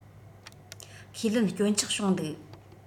ཁས ལེན སྐྱོན ཆག བྱུང འདུག